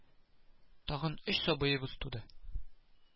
Тагын өч сабыебыз туды